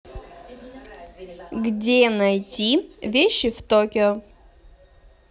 где найти вещи в токио